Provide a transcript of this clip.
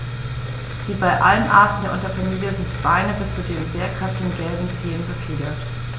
Wie bei allen Arten der Unterfamilie sind die Beine bis zu den sehr kräftigen gelben Zehen befiedert.